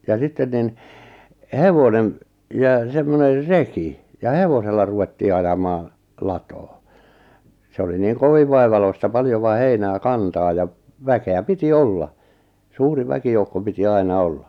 ja sitten niin hevonen ja semmoinen reki ja hevosella ruvettiin ajamaan latoon se oli niin kovin vaivalloista paljon heinää kantaa ja väkeä piti olla suuri väkijoukko piti aina olla